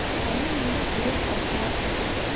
Хәлим моны күреп, аптырап китә.